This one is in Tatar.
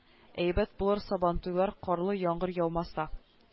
Әйбәт булыр сабантуйлар карлы яңгыр яумаса